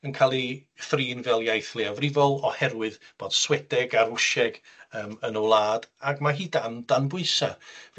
Yn ca'l 'i thrin fel iaith leiafrifol oherwydd bod Swedeg a Rwsieg yym yn y wlad, ac ma' hi dan dan bwysa'.